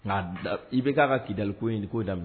Nka i bɛ k'a ka kidali ko ɲini k'o da